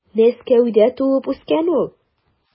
Мәскәүдә туып үскән ул.